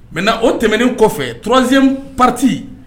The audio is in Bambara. Mɛ na o tɛmɛnen kɔfɛ turanz pati